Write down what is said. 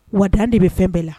Wad de bɛ fɛn bɛɛ la